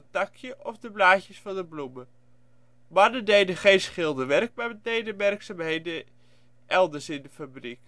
takje of de blaadjes van de bloemen. Mannen deden geen schilderwerk, maar deden andere werkzaamheden in de elders in de fabriek